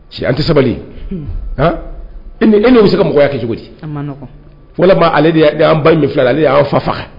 Cɛ an tɛ sabali han e n'i e n'o bɛ se ka mɔgɔya kɛ cogo di a man nɔgɔ walama ale de ya an ba in min filɛ ni ye ale de y'an fa faga